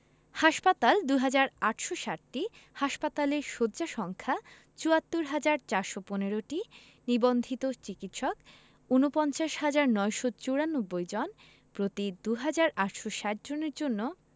হাসপাতাল ২হাজার ৮৬০টি হাসপাতালের শয্যা সংখ্যা ৭৪হাজার ৪১৫টি নিবন্ধিত চিকিৎসক ৪৯হাজার ৯৯৪ জন প্রতি ২হাজার ৮৬০ জনের জন্য